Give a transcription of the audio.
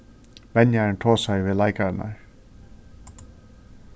venjarin tosaði við leikararnar